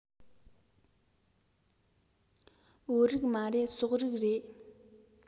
བོད རིགས མ རེད སོག རིགས རེད